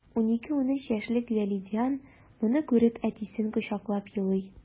12-13 яшьлек вәлидиан моны күреп, әтисен кочаклап елый...